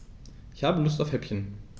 Ich habe Lust auf Häppchen.